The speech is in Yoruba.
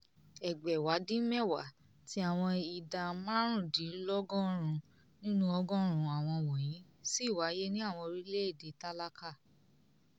Ìṣirò àwọn ikú 600,000 wáyé ní àgbáyé látààrí àwọn àjàkálẹ̀ àdáyébá ajèmójú-ọjọ́ ní àwọn ọdún 1990 tí àwọn ìdá 95 nínú ọgọ́rùn-ún àwọn wọ̀nyìí ṣì wáyé ní àwọn orílẹ̀-èdè tálákà.